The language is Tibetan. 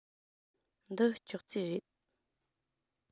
འདི ཅོག ཙེ རེད